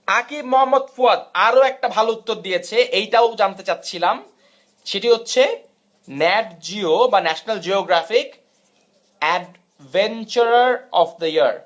আকিব মোঃ ফুয়াদ আর একটা ভাল উত্তর দিয়েছে এটাও জানতে চাচ্ছিলাম সেটি হচ্ছে Nat Geo National Geographic adventurer of the year